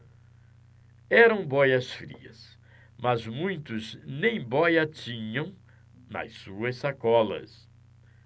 eram bóias-frias mas muitos nem bóia tinham nas suas sacolas